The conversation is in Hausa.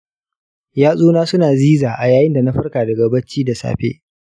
yatsuna su na ziza a yayin da na farka daga bacci da safe.